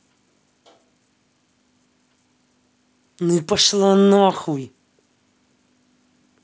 ну и пошла нахуй